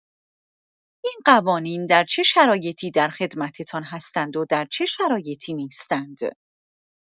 این قوانین در چه شرایطی در خدمتتان هستند و در چه شرایطی نیستند؟